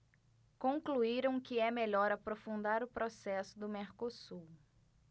concluíram que é melhor aprofundar o processo do mercosul